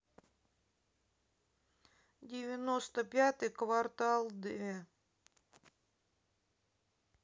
девяносто пятый квартал d